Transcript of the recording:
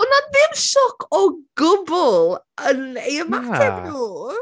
Oedd na ddim sioc o gwbl, yn... Na. ...eu ymateb nhw.